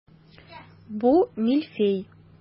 Бу мильфей.